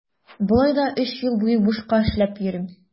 Болай да өч ел буе бушка эшләп йөрим.